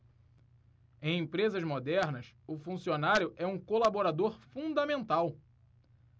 em empresas modernas o funcionário é um colaborador fundamental